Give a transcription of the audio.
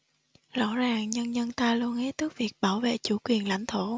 rõ ràng nhân dân ta luôn ý thức việc bảo vệ chủ quyền lãnh thổ